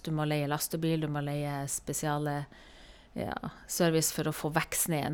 Du må leie lastebil, du må leie spesiale, ja, service for å få vekk snøen.